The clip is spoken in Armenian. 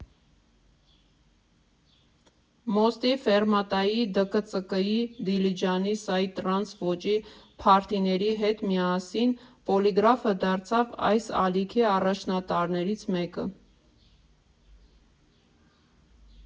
Մոստի, Ֆեռմատայի, ԴԿՑԿ֊ի, Դիլիջանի սայ֊տրանս ոճի փարթիների հետ միասին Պոլիգրաֆը դարձավ այս ալիքի առաջատարներից մեկը։